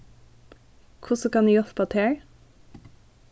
hvussu kann eg hjálpa tær